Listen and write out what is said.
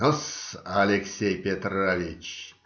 - Ну-с, Алексей Петрович!